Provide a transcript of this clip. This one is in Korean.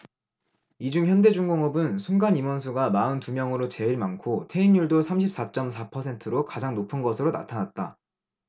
이 중 현대중공업은 순감 임원수가 마흔 두 명으로 제일 많고 퇴임률도 삼십 사 쩜 사 퍼센트로 가장 높은 것으로 나타났다